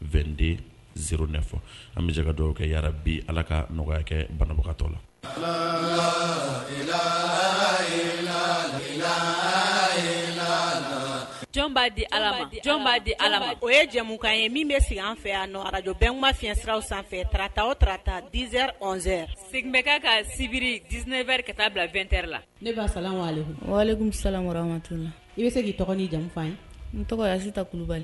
Den an bɛ se ka dɔw kɛ bi ala ka nɔgɔya kɛ banabagatɔ la di jɔn'a di ala o ye jɛmukan ye min bɛ sigi an fɛ yanjɔma fisiraraw sanfɛta ota dzz sigi bɛ ka ka sibiri di ne bɛri ka taa bilaɛ la ne sama i bɛ se k' tɔgɔ ni jamumu ye n tɔgɔsita kulubali